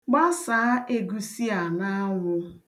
Gbasaa egwusi a n'anwụ.